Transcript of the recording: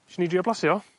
Isio ni drio blasu o?